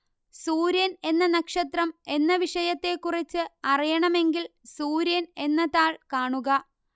സൂര്യന് എന്ന നക്ഷത്രം എന്ന വിഷയത്തെക്കുറിച്ച് അറിയണമെങ്കില് സൂര്യന് എന്ന താള് കാണുക